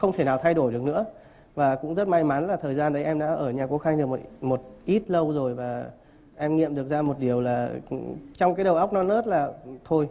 không thể nào thay đổi được nữa và cũng rất may mắn là thời gian đấy em đã ở nhà cô khanh một một ít lâu rồi mà em nghiệm ra một điều là trong cái đầu óc non nớt là thôi